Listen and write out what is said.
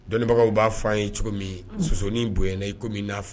Dɔnnibagaw b'a fɔ ye cogo min sosonin bony na i kɔmi min n'a